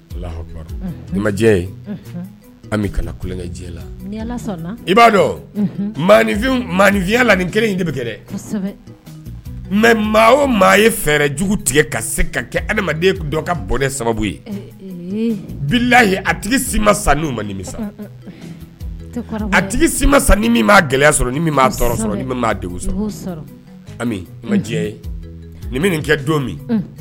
Kɛinfinya la kelen de bɛ kɛ dɛ mɛ maa o maa ye fɛɛrɛ jugu tigɛ ka se ka kɛ adamaden ka bɔɛ sababu ye bilayi a tigi si ma san niu ma ninmi sa a tigi si ma san ni min gɛlɛya sɔrɔ sɔrɔ denmuso ma jɛ nin bɛ nin kɛ don min